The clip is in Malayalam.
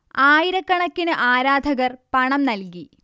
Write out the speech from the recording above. ആയിരക്കണക്കിന് ആരാധകർ പണം നൽകി